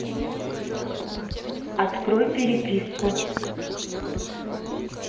открой переписку